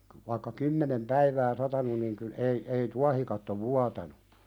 vaikka kymmenen päivää satanut niin kyllä ei ei tuohikatto vuotanut